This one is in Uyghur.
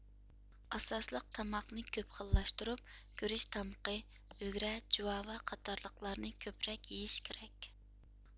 ئاساسلىق تاماقنى كۆپ خىللاشتۇرۇپ گۈرۈچ تامىقى ئۈگرە جۇۋاۋا قاتارلىقلارنى كۆپرەك يىيىش كىرەك